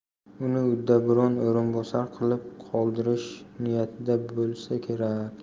uni uddaburon o'rinbosar qilib qoldirish niyatida bo'lsa kerak